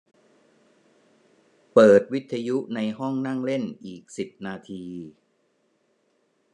เปิดวิทยุในห้องนั่งเล่นอีกสิบนาที